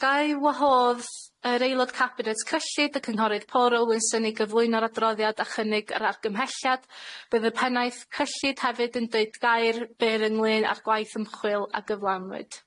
Gai wahodd yr aelod cabinet cyllid, y cynghorydd Paul Rowlinson yn synnu gyflwyno'r adroddiad a chynnig yr argymhelliad, bydd y pennaeth cyllid hefyd yn deud gair byr ynglyn â'r gwaith ymchwil a gyflanwyd.